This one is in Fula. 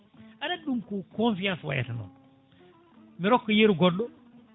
aɗa andi ɗum ko confiance wayata noon mi rokka yeeru goɗɗo